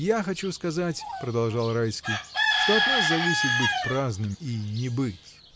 — Я хочу сказать, — продолжал Райский, — что от нас зависит быть праздным и не быть.